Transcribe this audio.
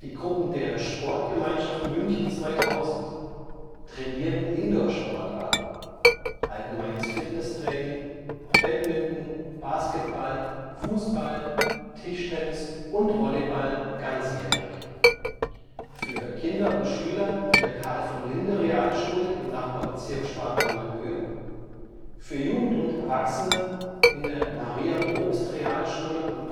Gruppen der Sportgemeinschaft München 2000 (seit Dezember 1999) trainieren Indoorsportarten (allgemeines Fitnesstraining, Badminton, Basketball, Fußball, Tischtennis und Volleyball) ganzjährig: für Kinder und Schüler in der Carl von Linde Realschule (im Nachbarbezirk Schwanthalerhöhe), für Jugend und Erwachsene in der Maria-Probst-Realschule am